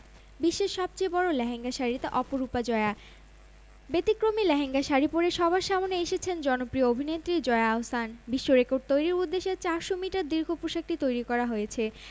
বিশ্বের সবচেয়ে বড় লেহেঙ্গা শাড়িতে অপরূপা জয়া ব্যতিক্রমী লেহেঙ্গা শাড়ি পরে সবার সামনে এসেছেন জনপ্রিয় অভিনেত্রী জয়া আহসান বিশ্বরেকর্ড তৈরির উদ্দেশ্যে ৪০০ মিটার দীর্ঘ পোশাকটি তৈরি করা হয়েছে